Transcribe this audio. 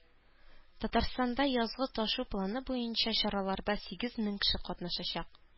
Татарстанда "Язгы ташу" планы буенча чараларда сигез мең кеше катнашачак